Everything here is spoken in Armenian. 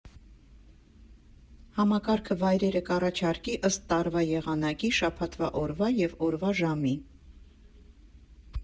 Համակարգը վայրերը կառաջարկի ըստ տարվա եղանակի, շաբաթվա օրվա և օրվա ժամի։